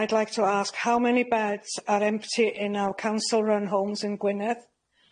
I'd like to ask how many beds are empty in our council run homes in Gwynedd?